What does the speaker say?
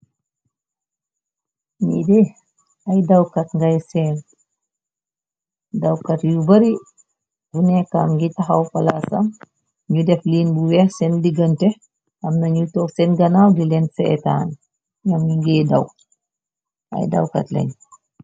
Nyede ay dawkat gay seen dawkat yu bari bu nekage taxaw palaasam ñu def liin bu weex seen liggante amnañu toog seen ganaaw di leen seetaan num nuge daw aye dawkat len.